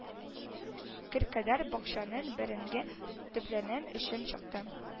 Кыр кадәр бакчаның бәрәңге төпләнен өчеп чыкты